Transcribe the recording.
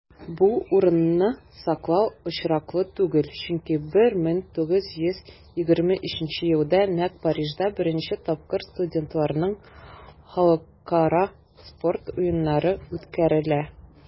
Бу урынны сайлау очраклы түгел, чөнки 1923 елда нәкъ Парижда беренче тапкыр студентларның Халыкара спорт уеннары үткәрелә.